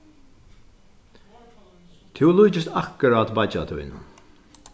tú líkist akkurát beiggja tínum